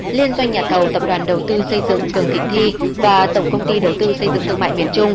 liên doanh nhà thầu tập đoàn đầu tư xây dựng cường thịnh thi và tổng công ty đầu tư xây dựng thương mại miền trung